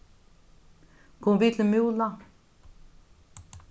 kom við til múla